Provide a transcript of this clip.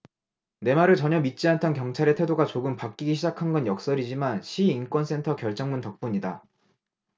내 말을 전혀 믿지 않던 경찰의 태도가 조금 바뀌기 시작한 건 역설적이지만 시 인권센터 결정문 덕분이다